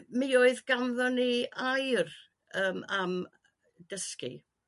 mi oedd ganddon ni air yrm am dysgu.